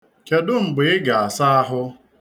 Kedu mgbe Ị ga-asa ahụ?